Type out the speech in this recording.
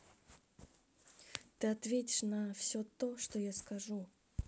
ты ответишь на все то что я скажу